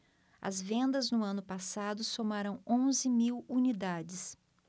as vendas no ano passado somaram onze mil unidades